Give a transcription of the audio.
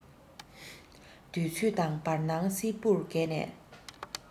དུས ཚོད དང བར སྣང སིལ བུར གས ནས